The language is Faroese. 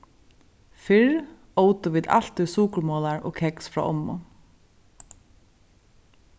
fyrr ótu vit altíð sukurmolar og keks frá ommu